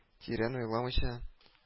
Тирән уйламыйча: